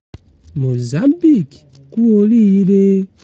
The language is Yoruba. Mozambique, kú oríire!